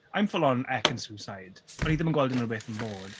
I'm full on Ekin Su's side. O'n i ddim yn gweld unrhyw beth yn bod.